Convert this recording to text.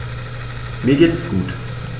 Mir geht es gut.